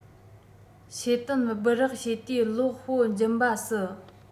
ཤེལ དམ སྦི རག བྱེད དུས སློག སྤོ འབྱིན པ སྲིད